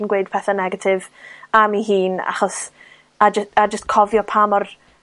yn gweud pethe negatif, am 'u hun achos, a jy- a jys cofio pa mor